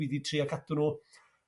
dwi 'di tria cadw nhw